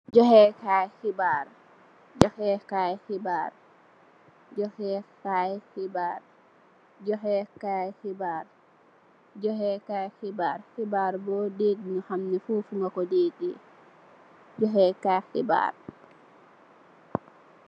Joxéé Kai xibarr, xibarr bu degga nga hamneh fofu nga ko deggeh.